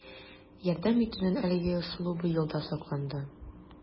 Ярдәм итүнең әлеге ысулы быел да сакланды: